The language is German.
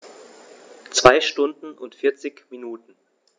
2 Stunden und 40 Minuten